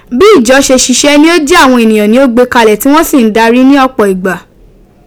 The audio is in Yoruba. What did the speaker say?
Bi ijo se sise ni o je awon eniyan ni o gbee kale ti won si n dari ni opo igba.